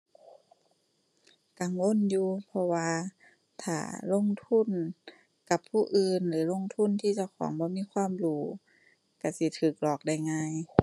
กังวลอยู่ เพราะว่าถ้าลงทุนกับผู้อื่นหรือลงทุนที่เจ้าของบ่มีความรู้ ก็สิก็หลอกได้ง่าย